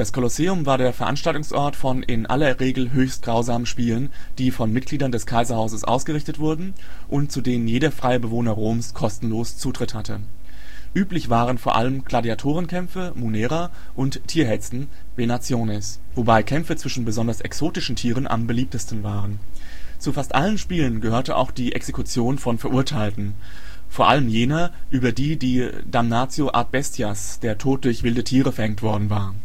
Kolosseum war der Veranstaltungsort von in aller Regel höchst grausamen Spielen, die von Mitgliedern des Kaiserhauses ausgerichtet wurden und zu denen jeder freie Bewohner Roms kostenlos Zutritt hatte. Üblich waren vor allem Gladiatorenkämpfe (munera) und Tierhetzen (venationes), wobei Kämpfe zwischen besonders exotischen Tieren am beliebtesten waren. Zu fast allen Spielen gehörte auch die Exekution von Verurteilten, vor allem jener, über die die damnatio ad bestias, der Tod durch wilde Tiere, verhängt worden war